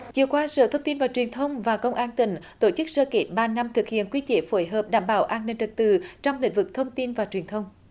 chiều qua sở thông tin và truyền thông và công an tỉnh tổ chức sơ kết ba năm thực hiện quy chế phối hợp đảm bảo an ninh trật tự trong lĩnh vực thông tin và truyền thông